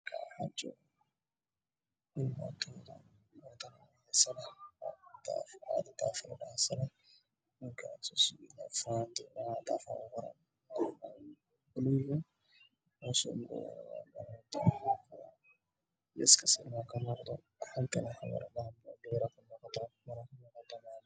Meeshaan waxaa maraya nin wata mooto guduud ah wuxuu wataa fannaanad guduuda ha israel madow ah